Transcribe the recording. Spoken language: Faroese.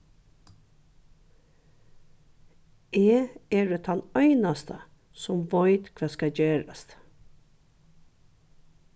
eg eri tann einasta sum veit hvat skal gerast